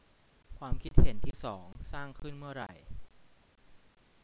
ความคิดเห็นที่สองสร้างขึ้นเมื่อไร